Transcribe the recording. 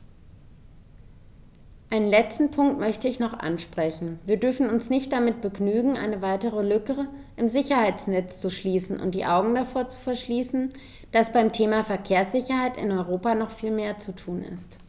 Einen letzten Punkt möchte ich noch ansprechen: Wir dürfen uns nicht damit begnügen, eine weitere Lücke im Sicherheitsnetz zu schließen und die Augen davor zu verschließen, dass beim Thema Verkehrssicherheit in Europa noch viel mehr zu tun ist.